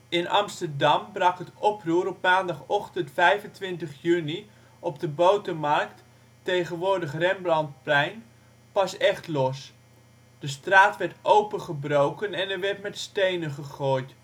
In Amsterdam brak het oproer op maandagochtend 25 juni op de Botermarkt, tegenwoordig Rembrandtplein, pas echt los. De straat werd opengebroken en er werd met stenen gegooid